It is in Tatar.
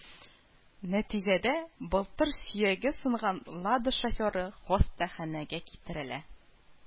Нәтиҗәдә, балтыр сөяге сынган Лада шоферы хастаханәгә китерелә